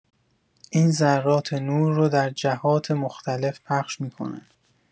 این ذرات نور رو در جهات مختلف پخش می‌کنن.